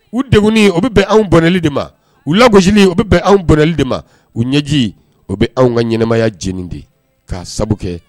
U deguli o bi bɛn anw bɔnɛli de ma. U labɔsili o bi bɛn anw bɔnɛli de ma. U ɲɛji o bi bɛn anw ka ɲɛnɛmaya jeni de ka sabu kɛ